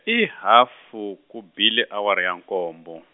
i hafu ku bile awara ya nkombo.